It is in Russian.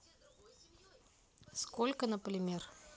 сколько на полимер